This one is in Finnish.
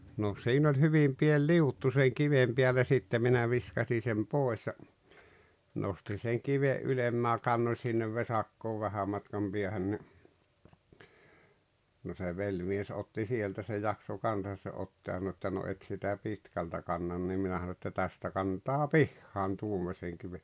no siinä oli hyvin pieni liuttu sen kiven päällä sitten minä viskasin sen pois ja nostin sen kiven ylemmäs ja kannoin sinne vesakkoon vähän matkan päähän niin no se velimies otti sieltä se jaksoi kanssa sen ottaa ja sanoi että no et sitä pitkältä kanna niin minä sanoi että tästä kantaa pihaan tuommoisen kiven